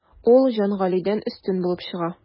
Ул Җангалидән өстен булып чыга.